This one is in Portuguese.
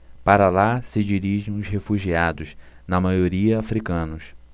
para lá se dirigem os refugiados na maioria hútus